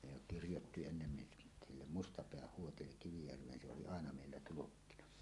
ne jo kirjoitti ennen niin sille Mustapään Huotille Kivijärveen se oli aina meillä tulkkina